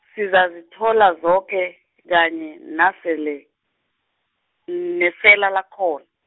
sizazithola zoke, kanye nasele, n- nesela lakhona.